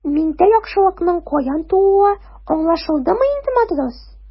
Миндә яхшылыкның каян тууы аңлашылдымы инде, матрос?